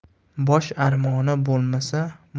bosh armoni bo'lmasa